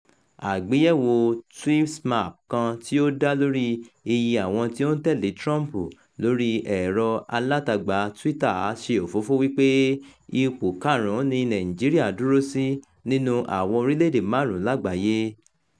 Àgbéyẹ̀wò Tweepsmap kan tí ó dá lóríi iye àwọn tí ó ń tẹ̀lé Trump lóríi ẹ̀rọ alátagbà Twitter ṣe òfófó wípé ipò karùn-ún ni Nàìjíríà dúró sí nínú àwọn orílẹ̀-èdè márùn-ún lágbàáyé: